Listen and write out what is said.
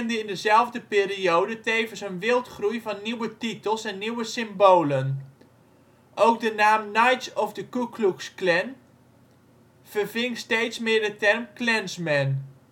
in dezelfde periode tevens een wildgroei van nieuwe titels en nieuwe symbolen. Ook de naam Knights of the Ku Klux Klan verving steeds meer de term Klansmen